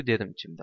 dedim ichimda